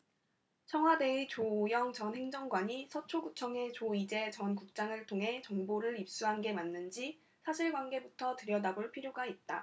청와대의 조오영 전 행정관이 서초구청의 조이제 전 국장을 통해 정보를 입수한 게 맞는지 사실관계부터 들여다볼 필요가 있다